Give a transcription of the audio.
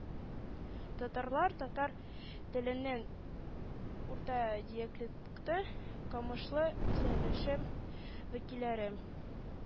Татарлар татар теленең урта диаклекты, камышлы сөйләше вәкилләре